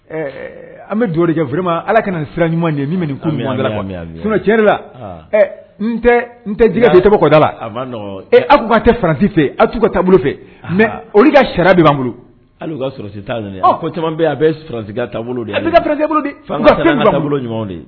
Ɛɛ an bɛ donjɛfma ala ka nin siran ɲuman ye min cɛri la n tɛ jɛgɛ di tɔgɔ kɔda la aw tun a tɛ faranti fɛ aw tun ka taabolo fɛ mɛ olu ka sira de b'an bolo hali katita caman bɛ a bɛtiya taabolo ɲuman de ye